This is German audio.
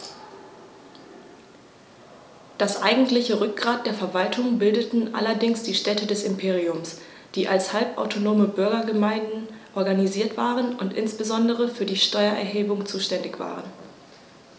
Das eigentliche Rückgrat der Verwaltung bildeten allerdings die Städte des Imperiums, die als halbautonome Bürgergemeinden organisiert waren und insbesondere für die Steuererhebung zuständig waren.